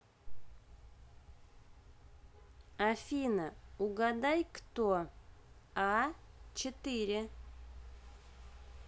афина угадай кто а четыре